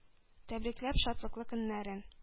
Тәбрикләп, шатлыклы көннәрен.